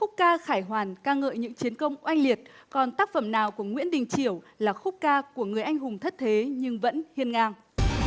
khúc ca khải hoàn ca ngợi những chiến công oanh liệt còn tác phẩm nào của nguyễn đình chiểu là khúc ca của người anh hùng thất thế nhưng vẫn hiên ngang